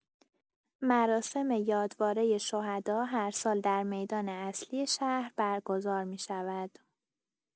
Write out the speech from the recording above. مراسم یادوارۀ شهدا هر سال در میدان اصلی شهر برگزار می‌شود.